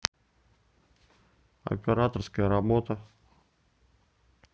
операторская работа